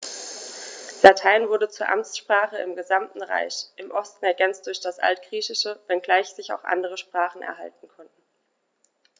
Latein wurde zur Amtssprache im gesamten Reich (im Osten ergänzt durch das Altgriechische), wenngleich sich auch andere Sprachen halten konnten.